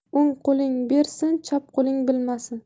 o'ng qo'ling bersin chap qo'ling bilmasin